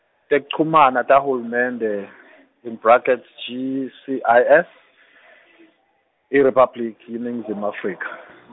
Tekuchumana taHulumende in brackets GCIS IRiphabliki yeNingizimu Afrika .